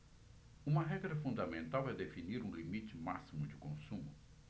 uma regra fundamental é definir um limite máximo de consumo